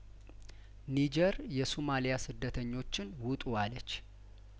ኒጀር የሶማሊያ ስደተኞችን ውጡ አለች